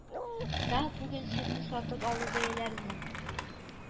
Да бүген сөтне сатып алу бәяләренең